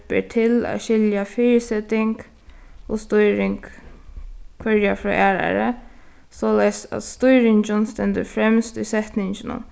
ber til at skilja fyriseting og stýring hvørja frá aðrari soleiðis at stýringin stendur fremst í setninginum